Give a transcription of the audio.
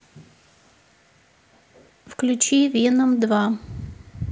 включи веном два